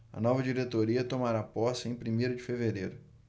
a nova diretoria tomará posse em primeiro de fevereiro